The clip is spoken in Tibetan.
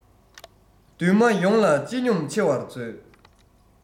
འདུན མ ཡོངས ལ སྤྱི སྙོམས ཆེ བར མཛོད